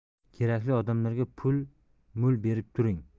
kerakli odamlarga pul mul berib turing